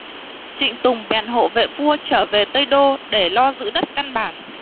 trịnh tùng bèn hộ vệ vua trở về tây đô để lo giữ đất căn bản